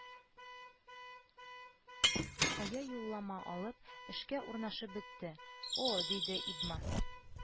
Кая юллама алып, эшкә урнашып бетте, ó диде идмас